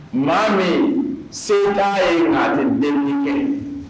Maa min se ttan ye' tɛ denmisɛnnin kɛ